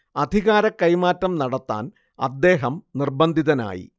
അധികാര കൈമാറ്റം നടത്താൻ അദ്ദേഹം നിർബന്ധിതനായി